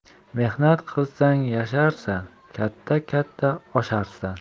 mehnat qilsang yasharsan katta katta osharsan